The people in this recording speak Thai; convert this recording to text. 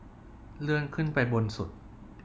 เลื่อนขึ้นไปบนสุด